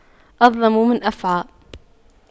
أظلم من أفعى